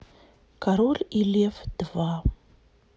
король и лев два